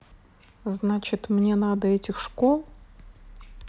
значит мне надо этих школ